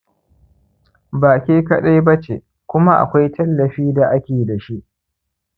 ba ke kaɗai ba ce, kuma akwai tallafi da ake da shi.